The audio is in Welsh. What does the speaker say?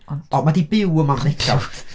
Ond... O, mae o 'di byw yma am ddegawd .